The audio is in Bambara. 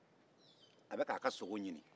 a bɛka a ka sogo ɲini